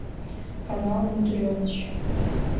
канал мудреныч